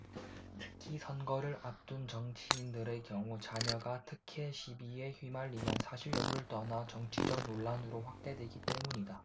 특히 선거를 앞둔 정치인들의 경우 자녀가 특혜시비에 휘말리면 사실여부를 떠나 정치적 논란으로 확대되기 때문이다